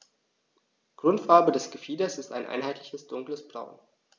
Grundfarbe des Gefieders ist ein einheitliches dunkles Braun.